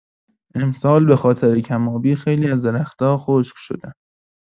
امسال به‌خاطر کم‌آبی، خیلی از درختا خشک‌شدن.